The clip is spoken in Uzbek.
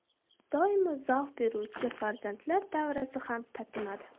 doimo zavq beruvchi farzandlar davrasi ham tatimadi